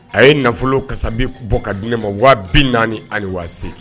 A ye nafolo kasabi bɔ ka d di ne ma waa bi naani ali wase